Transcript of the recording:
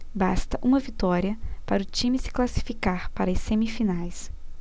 basta uma vitória para o time se classificar para as semifinais